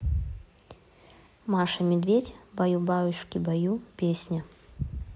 маша медведь баю баюшки баю песня